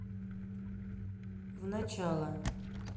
в начало